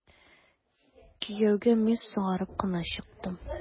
Кияүгә мин соңарып кына чыктым.